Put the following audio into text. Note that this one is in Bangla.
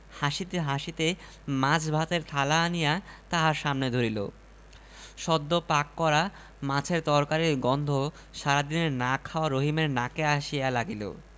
হাসিতে হাসিতে মাছ ভাতের থালা আনিয়া তাহার সামনে ধরিল সদ্য পাক করা মাছের তরকারির গন্ধ সারাদিনের না খাওয়া রহিমের নাকে আসিয়া লাগিল